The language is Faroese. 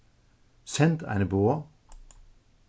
send eini boð